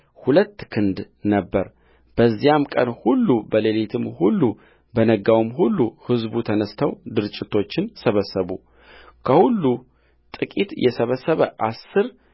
ሁለት ክንድ ነበረበዚያም ቀን ሁሉ በሌሊትም ሁሉ በነጋውም ሁሉ ሕዝቡ ተነሥተው ድርጭትን ሰበሰቡ ከሁሉ ጥቂት የሰበሰበ አሥር